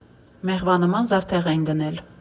Մեղվանման զարդեղեն գնել։